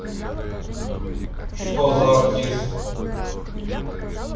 что за артист